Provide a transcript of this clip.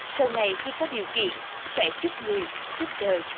sau này khi có điều kiện sẽ giúp người giúp đời